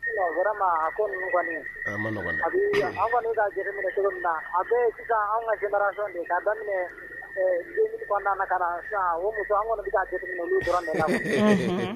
Sinon vraiment o ko ninnu kɔni, a bi , a ma nɔgɔn dɛ, an kɔni bɛ ka jate minɛ cogo min na, a bɛ ye sisan anw ka génération ka daminɛ ɛ 2000 kɔnɔna ka na sisan o muso, an kɔni bɛ k'a jateminɛ o muso, dɔrɔn de la